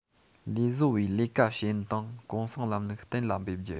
ལས བཟོ པའི ལས ཀ བྱེད ཡུན དང གུང སེང ལམ ལུགས གཏན ལ འབེབས རྒྱུ